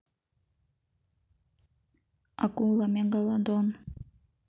акула мегалодон